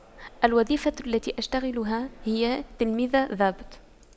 الوظيفة التي أشتغلها هي تلميذة ضبط